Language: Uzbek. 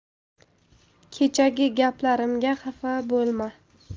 kechagi gaplarimga xafa bo'lma